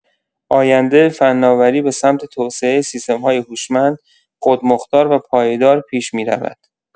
آینده فناوری به سمت توسعه سیستم‌های هوشمند، خودمختار و پایدار پیش می‌رود.